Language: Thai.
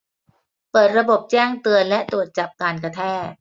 เปิดระบบแจ้งเตือนและตรวจจับการกระแทก